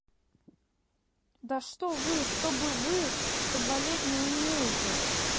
да что вы что бы вы что болеть не умеете